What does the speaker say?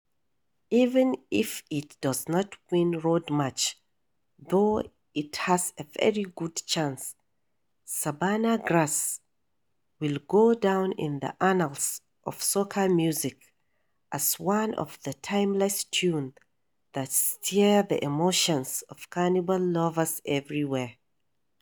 Even if it does not win Road March (though it has a very good chance!), "Savannah Grass" will go down in the annals of soca music as one of the timeless tunes that stir the emotions of Carnival lovers everywhere.